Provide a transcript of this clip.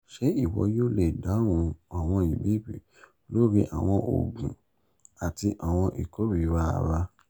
Ṣé ìwọ yóò lè dáhùn àwọn ìbéèrè lórí àwọn oogun àti àwọn ìkórira ara?